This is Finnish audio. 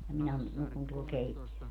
ja minä nukun tuolla -